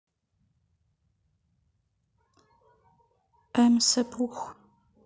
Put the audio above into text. эм сэ пух